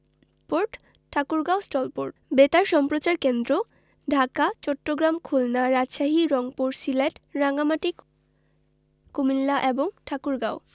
port Thakurgaon stall port বেতার সম্প্রচার কেন্দ্রঃ ঢাকা চট্টগ্রাম খুলনা রাজশাহী রংপুর সিলেট রাঙ্গামাটি কুমিল্লা এবং ঠাকুরগাঁও